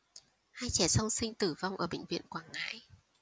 hai trẻ song sinh tử vong ở bệnh viện quảng ngãi